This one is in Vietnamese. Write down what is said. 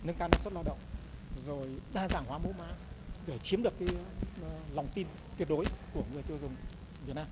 nâng cao năng suất lao động rồi đa dạng hóa mẫu mã để chiếm được cái lòng tin tuyệt đối của người tiêu dùng việt nam